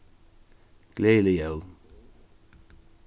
gleðilig jól